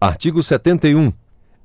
artigo setenta e um